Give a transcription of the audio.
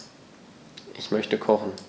Ich möchte kochen.